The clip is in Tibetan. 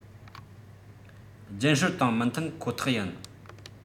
རྒྱུན སྲོལ དང མི མཐུན ཁོ ཐག ཡིན